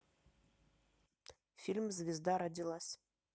фильм звезда родилась